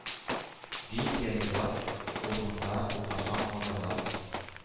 – ди пионерлар урмында урнашкан базарда